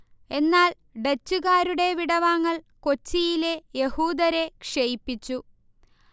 എന്നാൽ ഡച്ചുകാരുടെ വിടവാങ്ങൽ കൊച്ചിയിലെ യഹൂദരെ ക്ഷയിപ്പിച്ചു